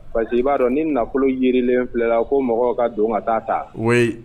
Parce que i b'a dɔn ni nafolo yirilen filɛla ko mɔgɔw ka don ka t'aa ta oui